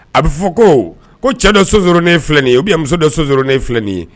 A be fɔ koo ko cɛ dɔ sonsoronnen filɛ nin ye ou bien muso dɔ sonsoronnen filɛ nin ye